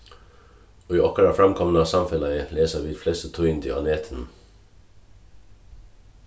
í okkara framkomna samfelagi lesa vit flestu tíðindi á netinum